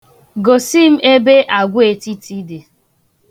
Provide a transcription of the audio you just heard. Gosi m ebe agwaetiti dị.